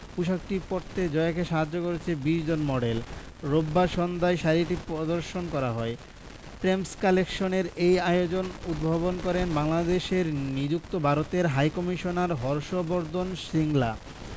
পোশাকটি পরতে জয়াকে সাহায্য করেছেন ২০ জন মডেল রবিবার সন্ধ্যায় শাড়িটি প্রদর্শন করা হয় প্রেমস কালেকশনের এ আয়োজন উদ্ভাবন করেন বাংলাদেশে নিযুক্ত ভারতের হাইকমিশনার হর্ষ বর্ধন শ্রিংলা